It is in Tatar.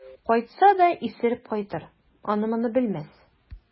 Кайтса да исереп кайтыр, аны-моны белмәс.